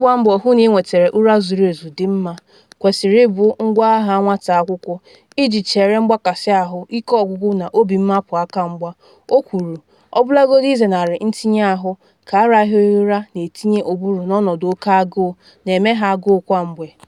Ịgba mbọ hụ na inwetara ụra zuru ezu, dị mma, kwesịrị ịbụ ngwa agha nwata akwụkwọ’ iji chere mgbakasị ahụ, ike ọgwụgwụ na obi mmapụ aka mgba, o kwuru - ọbụlagodi izenari ntinye ahụ, ka arahụghị ụra na-etinye ụbụrụ n’ọnọdụ oke agụụ, na-eme ha agụụ kwa mgbe.